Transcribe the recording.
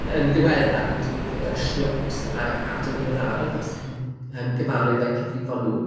Yn ddiweddar ni 'di gweithio gyda Shnwcs ac Adam yn yr Ardd, os 'y chi'n yn gyfarwydd â'u cyfrifon nhw.